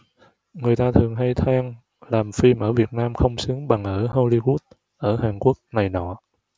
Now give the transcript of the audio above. người ta thường hay than làm phim ở việt nam không sướng bằng ở hollywood ở hàn quốc này nọ